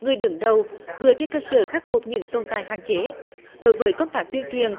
người đứng đầu vừa trên cơ sở khắc phục những tồn tại hạn chế đối với công tác tuyên truyền